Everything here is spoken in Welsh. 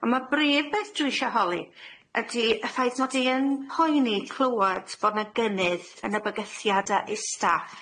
On' ma' brif beth dwi isio holi ydi y ffaith mod i yn poeni clywad bo' na gynnydd yn y bygythiada i'r staff.